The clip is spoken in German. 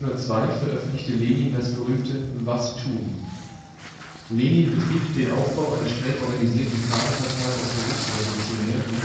1902 veröffentlichte Lenin das berühmte „ Was tun? ". Lenin betrieb den Aufbau einer streng organisierten Kaderpartei aus „ Berufsrevolutionären